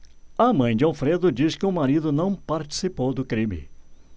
a mãe de alfredo diz que o marido não participou do crime